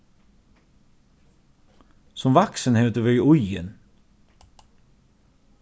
sum vaksin hevur tú verið íðin